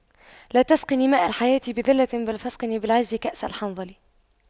لا تسقني ماء الحياة بذلة بل فاسقني بالعز كأس الحنظل